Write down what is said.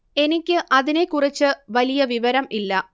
എനിക്ക് അതിനെ കുറിച്ച് വലിയ വിവരം ഇല്ല